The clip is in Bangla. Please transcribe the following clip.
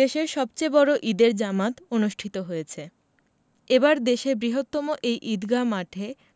দেশের সবচেয়ে বড় ঈদের জামাত অনুষ্ঠিত হয়েছে এবার দেশের বৃহত্তম এই ঈদগাহ মাঠে